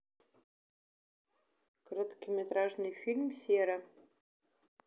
короткометражный фильм сера